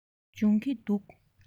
སྦྱོང གི འདུག